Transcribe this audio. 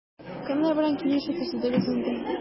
Кемнәр белән килешү төзедегез инде?